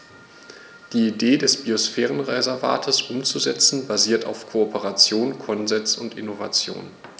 Die Idee des Biosphärenreservates umzusetzen, basiert auf Kooperation, Konsens und Innovation.